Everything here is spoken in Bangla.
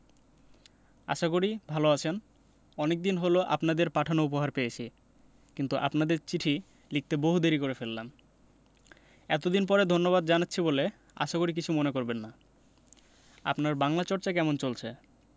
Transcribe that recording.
আশা করি ভালো আছেন অনেকদিন হল আপনাদের পাঠানো উপহার পেয়েছি কিন্তু আপনাদের চিঠি লিখতে বহু দেরী করে ফেললাম এতদিন পরে ধন্যবাদ জানাচ্ছি বলে আশা করি কিছু মনে করবেন না আপনার বাংলা চর্চা কেমন চলছে